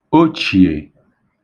ochìè